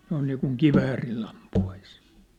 noin niin kuin kiväärillä ampuisi